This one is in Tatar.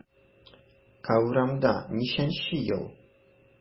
Ә урамда ничәнче ел?